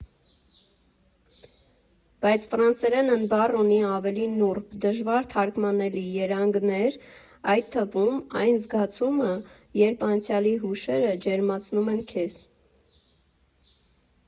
Բայց ֆրանսերեն բառն ունի ավելի նուրբ, դժվար թարգմանելի երանգներ, այդ թվում՝ այն զգացումը, երբ անցյալի հուշերը ջերմացնում են քեզ։